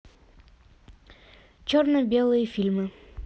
черно белые фильмы